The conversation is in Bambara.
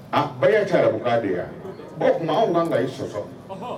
A baya tɛ arabu kan de ye wa? o tuma anw kan ka i sɔsɔ wa?